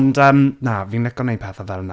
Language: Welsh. Ond yym, na, fi'n lico wneud pethe fel 'na.